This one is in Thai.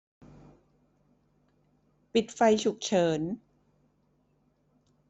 ปิดไฟฉุกเฉิน